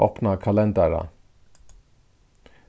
opna kalendara